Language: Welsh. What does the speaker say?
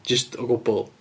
Jyst o gwbl.